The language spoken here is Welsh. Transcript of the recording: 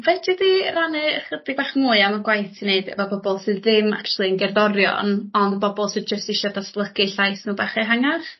fedri di rannu ychydig bach mwy am y gwaith ti neud efo pobol sydd ddim actually'n gerddorion ond bobol sy jyst isie datblygu llais n'w bach ehangach?